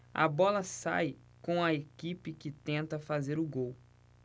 a bola sai com a equipe que tenta fazer o gol